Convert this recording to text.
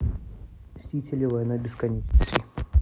мстители война бесконечностей